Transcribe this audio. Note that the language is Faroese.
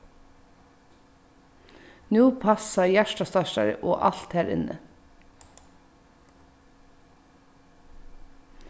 nú passar hjartastartari og alt har inni